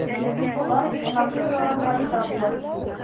Микулай анасы сайлаганга риза була.